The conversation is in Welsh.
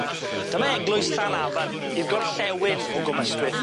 Dyma eglwys Llanafan i'r gorllewin o Gwm Ystwyth.